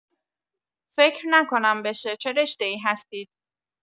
فکر نکنم بشه چه رشته‌ای هستید